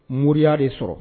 Moriya de sɔrɔ